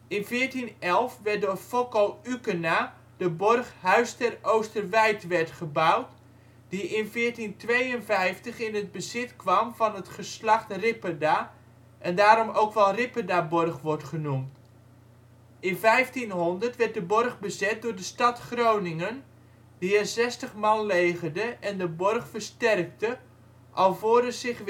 1411 werd door Focko Ukena de borg Huis ter Oosterwijtwerd gebouwd, die in 1452 in het bezit kwam van het geslacht Ripperda (en daarom ook wel Ripperdaborg wordt genoemd). In 1500 werd de borg bezet door de stad Groningen, die er 60 man legerde en de borg versterkte, alvorens zich